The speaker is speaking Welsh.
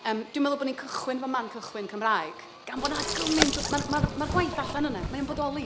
Yym dwi'n meddwl bod ni'n cychwyn efo man cychwyn Cymraeg gan bod 'na gymaint o... ma'n ma'r ma'r gwaith allan yna. Mae o'n bodoli.